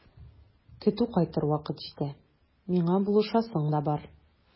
Көтү кайтыр вакыт җитә, миңа булышасың да бар.